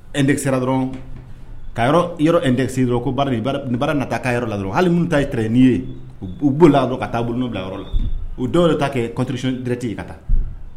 indexer la dɔrɔn, ka yɔrɔ yɔrɔ indexer dɔrɔn ko baara baara bɛ na taa k'a yɔrɔ la dɔrɔn hali minnu ta ye tɛrɛni ye, u bolila dɔrɔn ka taa bolo n'o bila yɔrɔ la, o dɔw y'u yɛrɛ ta kɛ construction directe ye ka taa